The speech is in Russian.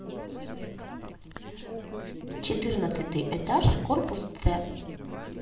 четырнадцатый этаж корпус ц